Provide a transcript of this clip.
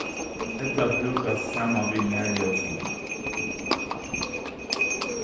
ella brúkast saman við nærljósunum